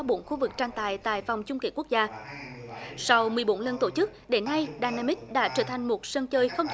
bốn khu vực tranh tài tại vòng chung kết quốc gia sau mười bốn lần tổ chức đến nay đai na míc đã trở thành một sân chơi không thể